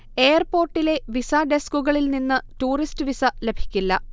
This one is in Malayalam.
എയർപോര്ട്ടിലെ വിസാ ഡെസ്കുകളില്നിന്ന് ടൂറിസ്റ്റ് വിസ ലഭിക്കില്ല